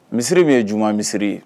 Misiri min ye juma misiri ye